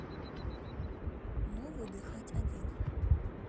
ну выдыхать один